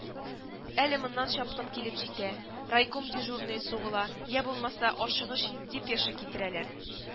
Әле моннан чапкын килеп җитә, райком дежурные сугыла, йә булмаса ашыгыч депеша китерәләр